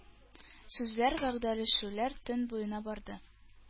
Сүзләр, вәгъдәләшүләр төн буена барды.